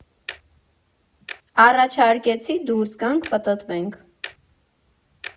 Առաջարկեցի դուրս գանք, պտտվենք։